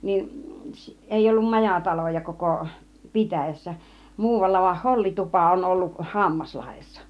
niin ei ollut majataloja koko pitäjässä muualla vain hollitupa on ollut Hammaslahdessa